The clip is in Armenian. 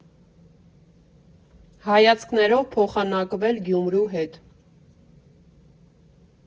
Հայացքներով փոխանակվել Գյումրու հետ։